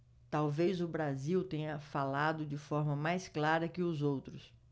talvez o brasil tenha falado de forma mais clara que os outros